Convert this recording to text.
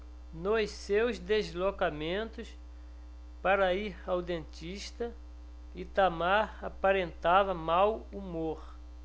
nos seus deslocamentos para ir ao dentista itamar aparentava mau humor